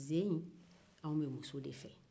sen in anw bɛ muso de fɛ